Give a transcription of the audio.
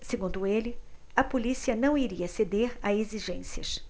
segundo ele a polícia não iria ceder a exigências